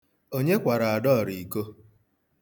Onye kwara Adaọra iko?